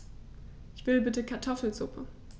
Ich will bitte Kartoffelsuppe.